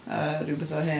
A ryw betha hen.